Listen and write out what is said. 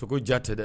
Muso diya tɛ dɛ